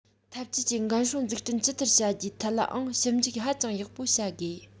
འཐབ ཇུས ཀྱི འགན སྲུང འཛུགས སྐྲུན ཇི ལྟར བྱ རྒྱུའི ཐད ལའང ཞིབ འཇུག ཧ ཅང ཡག པོ བྱ དགོས